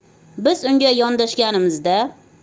biz unga yondashganimizda